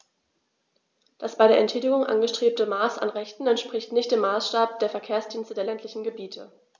Das bei der Entschädigung angestrebte Maß an Rechten entspricht nicht dem Maßstab der Verkehrsdienste der ländlichen Gebiete.